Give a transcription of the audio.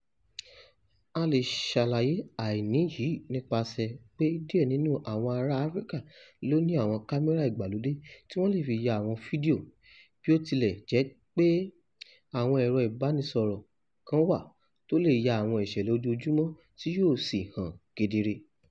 A lè ṣàlàyé àìní yií nípasẹ̀ pé díẹ̀ nínú àwọn ará Áfíríkà ló ní àwọn kámérà ìgbàlódé tí wọ́n le fi ya àwọn fídíò, bí ó tilẹ̀ jẹ́ pé àwọn ẹ̀rọ ìbánisọ̀rọ̀ kan wà tó lè ya àwọn ìṣẹ̀lẹ̀ ojoojúmọ tí yóò sì hàn kedere.